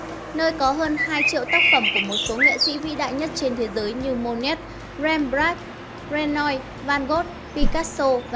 nơi có hơn triệu tác phẩm của một số nghệ sĩ vĩ đại nhất trên thế giới như monet rembrandt renoir van gogh picasso